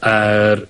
yr